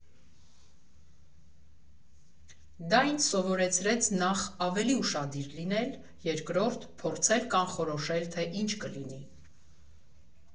Դա ինձ սովորեցրեց նախ՝ ավելի ուշադիր լինել, երկրորդ՝ փորձել կանխորոշել, թե ինչ կլինի.